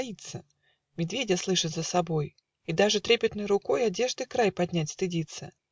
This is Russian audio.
боится, Медведя слышит за собой, И даже трепетной рукой Одежды край поднять стыдится